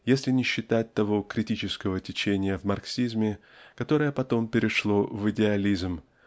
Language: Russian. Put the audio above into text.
если "не считать того критического течения в марксизме которое потом перешло в идеализм